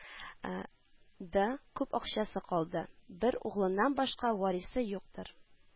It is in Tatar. Ды, күп акчасы калды, бер углыннан башка варисы юктыр»,